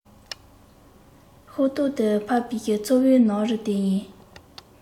ཤོག ཐོག ཏུ ཕབ པའི ཚོར བའི ནག རིས དེ ཡིན